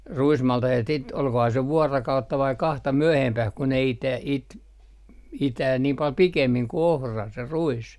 ruismaltaset sitten olikohan se vuorokautta vai kahta myöhempään kun ne -- itää niin paljon pikemmin kuin ohra se ruis